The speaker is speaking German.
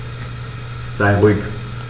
Sei ruhig.